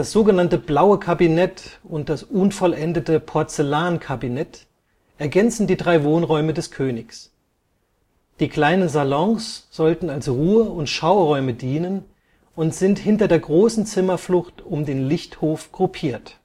sogenannte Blaue Kabinett und das unvollendete Porzellankabinett ergänzen die drei Wohnräume des Königs. Die kleinen Salons sollten als Ruhe - und Schauräume dienen und sind hinter der großen Zimmerflucht um den Lichthof gruppiert